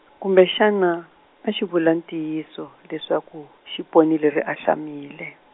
kumbexani, a xi vula ntiyiso, leswaku, xi ponile ri ahlamile.